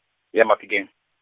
ya Mafikeng.